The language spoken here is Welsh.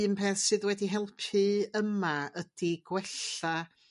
un peth sydd wedi helpu yma ydi gwella